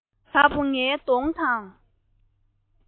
ཚ པོ ངའི གདོང དང